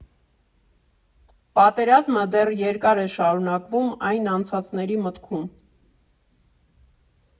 Պատերազմը դեռ երկար է շարունակվում այն անցածների մտքում.